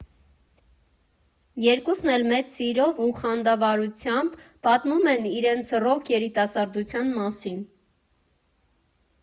Երկուսն էլ մեծ սիրով ու խանդավառությամբ պատմում են իրենց ռոք երիտասարդության մասին։